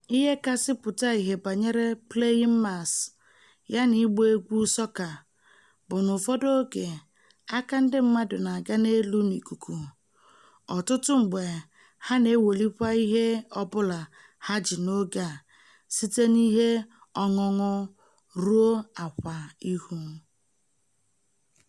Ihe kasị pụta ihe banyere "playing mas" yana ịgba egwu sọka bụ na n'ụfọdụ oge, aka ndị mmadụ na-aga n'elu n'ikuku, ọtụtụ mgbe ha na-ewelikwa ihe ọ bụla ha ji n'oge a, site n'ihe ọṅụṅụ ruo ákwà ihu.